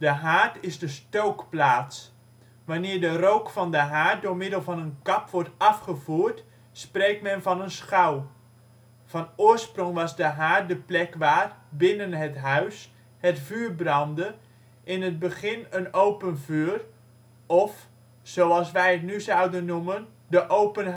haard is de stookplaats. Wanneer de rook van de haard door middel van een kap wordt afgevoerd, spreekt men van een schouw. Van oorsprong was de haard de plek waar (binnen het huis) het vuur brandde, in het begin een open vuur (het haardvuur) of, zoals wij het nu zouden noemen, de open haard